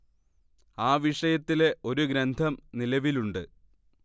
ആ വിഷയത്തിലെ ഒരു ഗ്രന്ഥം നിലവിലുണ്ട്